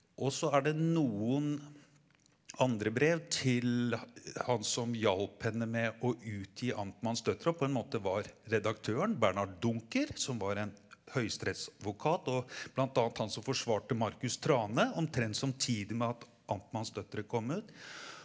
og så er det noen andre brev til han som hjalp henne med å utgi Amtmannens Døtre og på en måte var redaktøren Bernard Dunker, som var en høyesterettsadvokat og bl.a. han som forsvarte Markus Trane omtrent samtidig med at Amtmannens Døtre kom ut.